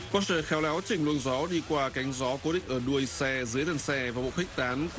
có sự khéo léo chỉnh luồng gió đi qua cánh gió cố định ở đuôi xe dưới thân xe và bộ khuếch tán của